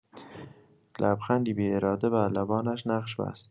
لبخندی بی‌اراده بر لبانش نقش بست.